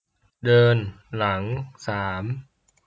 เดินหลังสาม